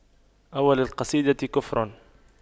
أول القصيدة كفر